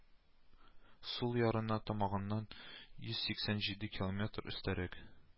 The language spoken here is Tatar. Сул ярына тамагыннан йөз сиксән җиденче километр өстәрәк